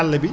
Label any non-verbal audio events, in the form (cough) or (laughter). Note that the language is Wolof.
(hesitation) (hesitation)